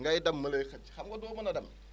ngay dem ma lay xëcc xam nga doo mën a dem